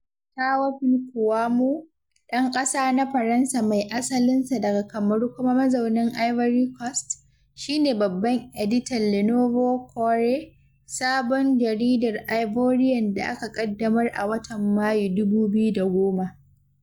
Théophile Kouamouo, ɗan ƙasa na Faransa mai asalinsa daga Kamaru kuma mazaunin Ivory Coast, shine Babban Editan Le Nouveau Courrier, sabon jaridar Ivorian da aka ƙaddamar a watan Mayu 2010.